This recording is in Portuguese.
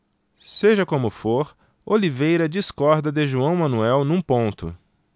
seja como for oliveira discorda de joão manuel num ponto